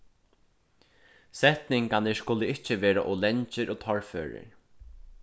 setningarnir skulu ikki vera ov langir og torførir